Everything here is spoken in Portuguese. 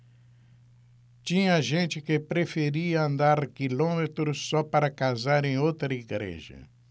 tinha gente que preferia andar quilômetros só para casar em outra igreja